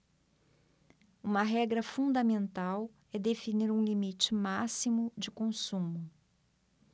uma regra fundamental é definir um limite máximo de consumo